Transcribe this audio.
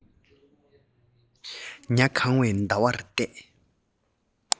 ཉ གང བའི ཟླ བར བལྟས